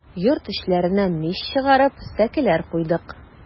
Йорт эчләренә мич чыгарып, сәкеләр куйдык.